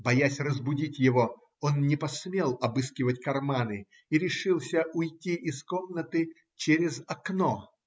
Боясь разбудить его, он не посмел обыскивать карманы и решился уйти из комнаты через окно.